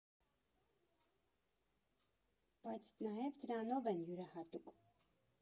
Բայց նաև դրանով են յուրահատուկ։